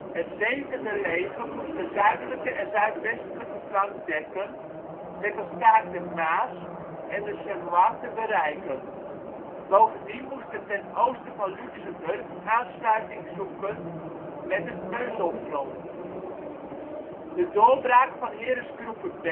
Het 7e leger moest de zuidelijke en zuidwestelijke flank dekken, met als taak de Maas en de Semois te bereiken. Bovendien moest het ten oosten van Luxemburg aansluiting zoeken met het Moezelfront. De doorbraak van Heeresgruppe B zou later door ' Heeresgruppe